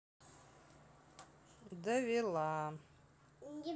довела